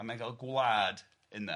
a mae'n cael gwlad yna.